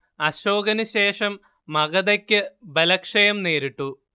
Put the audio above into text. അശോകനുശേഷം മഗധയ്ക്ക് ബലക്ഷയം നേരിട്ടു